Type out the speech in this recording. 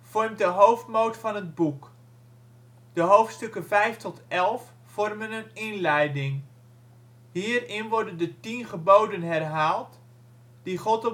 vormt de hoofdmoot van het boek. De hoofdstukken 5-11 vormen een inleiding. Hierin worden de tien geboden herhaald, die God